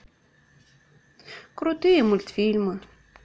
крутые мультфильмы